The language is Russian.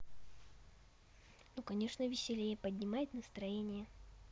ну конечно веселее поднимает настроение